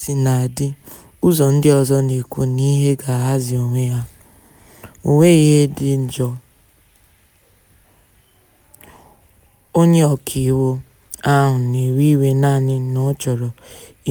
Kaosinadị, ụzọ ndị ọzọ na-ekwu na ihe ga-ahazi onwe ha, "ọ nweghị ihe dị njọ, onye Ọkaiwu ahụ na-ewe iwe naanị na ọ chọrọ